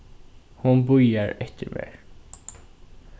hon bíðar eftir mær